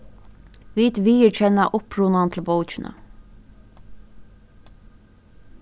vit viðurkenna upprunan til bókina